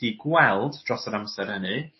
'di gweld dros yr amser hynny